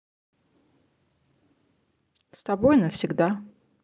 с тобой навсегда